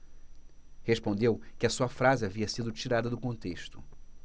respondeu que a sua frase havia sido tirada do contexto